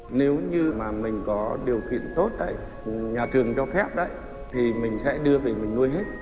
nếu như mà mình có điều kiện tốt ấy nhà trường cho phép đấy thì mình sẽ đưa về mình nuôi hết